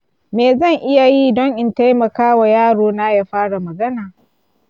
me zan iya yi don in taimaka wa yarona ya fara magana?